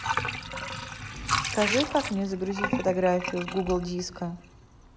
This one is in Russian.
скажи как мне загрузить фотографию с google диска